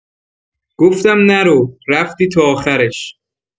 گفتم نرو، رفتی تا آخرش.